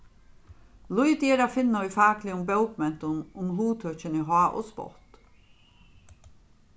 lítið er at finna í fakligum bókmentum um hugtøkini háð og spott